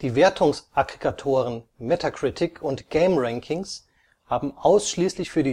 Wertungsaggregatoren Metacritic und GameRankings haben ausschließlich für